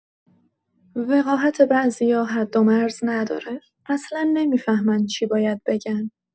وقاحت بعضیا حد و مرز نداره، اصلا نمی‌فهمن چی باید بگن.